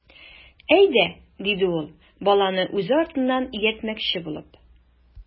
Әйдә,— диде ул, баланы үз артыннан ияртмөкче булып.